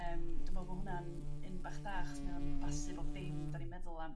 Yrm dwi me'wl bo' hwnna'n un bach da 'chos mae o'n cwmpasu bob dim 'dan ni'n meddwl am.